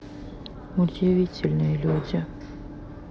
удивительные люди